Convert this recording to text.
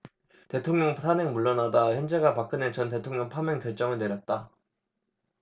대통령 탄핵 물러나다 헌재가 박근혜 전 대통령 파면 결정을 내렸다